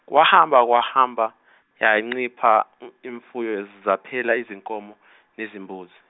kwahamba kwahamba yancipha i- imfuyo zaphela izinkomo nezimbuzi.